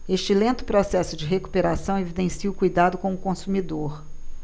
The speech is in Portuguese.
este lento processo de recuperação evidencia o cuidado com o consumidor